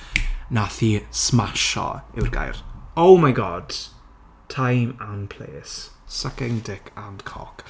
Wnaeth hi smasio yw'r gair. Oh my god time and place. Sucking dick and cock.